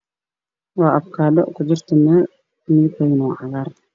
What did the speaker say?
Waa abagaaro midibkoduna waa cagaar